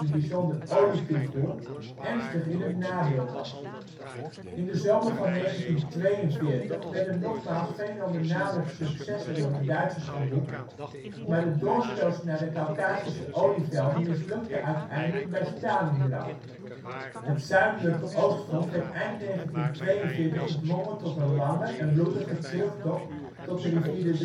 bijzonder olietoevoer ernstig in het nadeel was. In de zomer van 1942 werden nogmaals fenomenale successen door de Duitsers geboekt, maar de doorstoot naar de Kaukasische olievelden mislukte uiteindelijk bij Stalingrad. Het Zuidelijke oostfront werd eind 1942 gedwongen tot een lange en bloedige terugtocht tot de rivier de